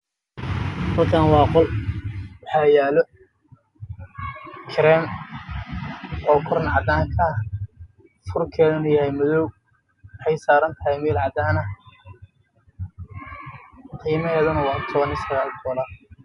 Waa caagado waxaa ku jira kareen